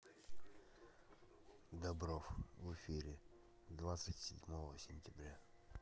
добров в эфире двадцать седьмого сентября